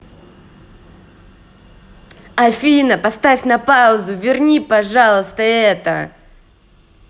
афина поставь на паузу верни пожалуйста это